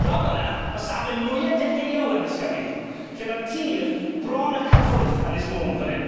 Draw fynna ma' safle mwya deheuol Ynys Cybi lle ma'r tir bron a cyffwrdd Ynys Môn fan hyn.